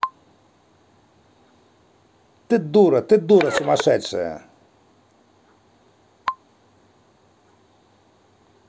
ты дура ты дура сумасшедшая